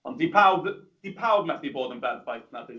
Ond 'di pawb... 'Di pawb methu bod yn berffaith na 'dyn.